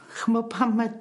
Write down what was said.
Ch'mo' pan mae